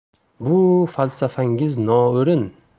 bu falsafangiz noo'rin